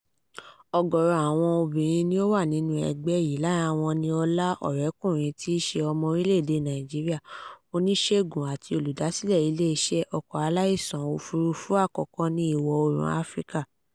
Ọ̀gọ̀ọ̀rọ̀ àwọn obìnrin ni wọ́n wà nínú ẹgbẹ́ yìí, lára wọn ni Ọlá Ọ̀rẹ́kunrin tíì ṣe ọmọ orílẹ̀ èdè Nàìjíríà, oníṣègùn àti olùdásílẹ̀ ilé iṣẹ́ ọkọ̀ aláìsàn òfurufú àkọ́kọ́ ní ìwọ̀-oòrùn Áfíríkà.